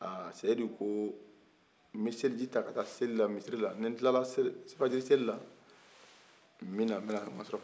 aa seyidu ko nbe seliji ta ka taa selila misirila nin ntilala fajiri selila nbena kana nka surafana dun